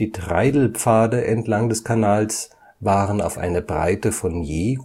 Treidelpfade entlang des Kanals waren auf eine Breite von je